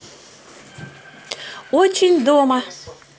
очень дома